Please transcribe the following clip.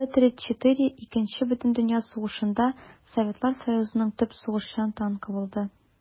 Т-34 Икенче бөтендөнья сугышында Советлар Союзының төп сугышчан танкы булды.